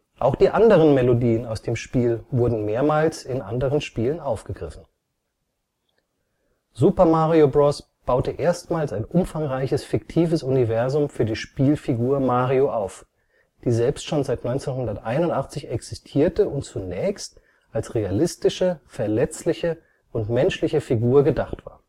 Auch die anderen Melodien aus dem Spiel wurden mehrmals in anderen Spielen aufgegriffen. Super Mario Bros. baute erstmals ein umfangreiches fiktives Universum für die Spielfigur Mario auf, die selbst schon seit 1981 existierte und zunächst als realistische, verletzliche und menschliche Figur gedacht war